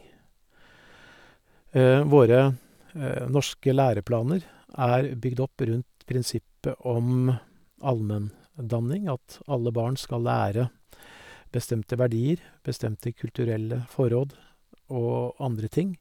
Våre norske læreplaner er bygd opp rundt prinsippet om allmenndanning, at alle barn skal lære bestemte verdier, bestemte kulturelle forråd og andre ting.